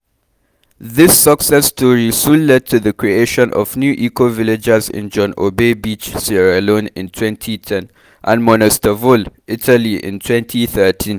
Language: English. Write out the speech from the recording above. This success story soon led to the creation of new eco-villages in John Obey Beach, Sierra Leone in 2010 (check their beautiful videos here) and Monestevole, Italy in 2013.